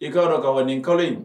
I ka kaban nin kalo